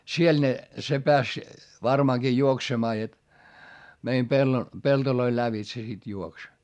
siellä ne se pääsi varmaankin juoksemaan jotta meidän pellon peltojen lävitse sitten juoksi